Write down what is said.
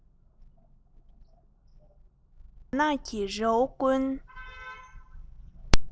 རྒྱ ནག གི རི བོ ཀུན